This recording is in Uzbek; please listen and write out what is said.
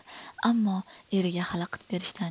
ammo eriga xalaqit berishdan